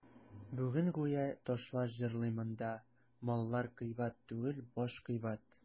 Бүген гүя ташлар җырлый монда: «Маллар кыйбат түгел, баш кыйбат».